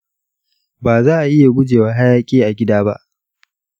ba za'a iya gujewa hayaƙi a gida ba.